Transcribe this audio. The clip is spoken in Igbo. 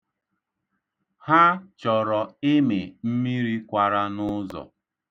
Ha chọrọ ịmị mmiri kwara n'ụzọ.